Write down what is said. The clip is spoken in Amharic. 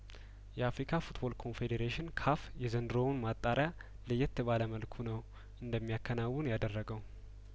የአፍሪካ ፉትቦል ኮንፌዴሬሽን ካፍ የዘንድሮውን ማጣሪያለየት ባለመልኩ ነው እንደሚያከናወን ያደረገው